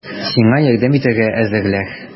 Сиңа ярдәм итәргә әзерләр!